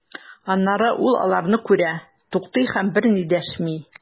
Аннары ул аларны күрә, туктый һәм берни дәшми.